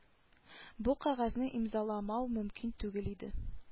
Бу кәгазне имзаламау мөмкин түгел иде